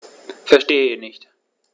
Verstehe nicht.